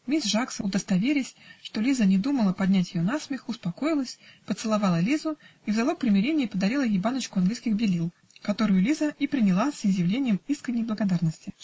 Мисс Жаксон, удостоверясь, что Лиза не думала поднять ее насмех, успокоилась, поцеловала Лизу и в залог примирения подарила ей баночку английских белил, которую Лиза и приняла с изъявлением искренней благодарности.